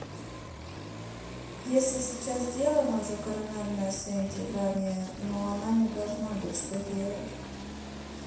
если сейчас сделано уже коронарное sentir вание но она не должна быть что делать